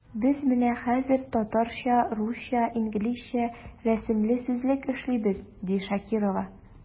Без менә хәзер “Татарча-русча-инглизчә рәсемле сүзлек” эшлибез, ди Шакирова.